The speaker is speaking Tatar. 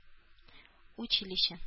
Училище